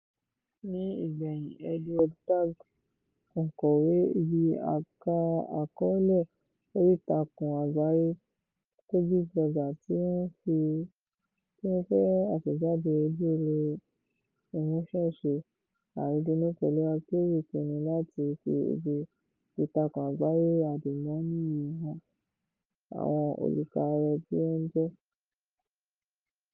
Ní ìgbẹ̀yìn, Edward Tagoe, òǹkọ̀wé ibi àkọọ́lẹ̀ oríìtakùn àgbáyé Tagoe Blogger tí ó tún jẹ́ aṣẹ̀dá ohun èlò ìmúṣẹ́ṣe àìrídìmú-pẹ̀lú-akéwì, pinnu láti fi ibi ìtakùn àgbáyé adùnmọ́ni rẹ han àwọn olùkà rẹ̀ tí ó ń jẹ́ YOURENEW.COM